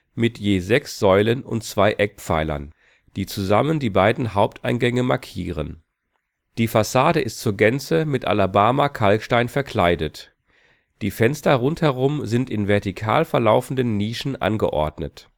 mit je sechs Säulen und zwei Eckpfeilern, die zusammen die beiden Haupteingänge markieren. Die Fassade ist zur Gänze mit Alabama-Kalkstein verkleidet, die Fenster rundherum sind in vertikal verlaufenden Nischen angeordnet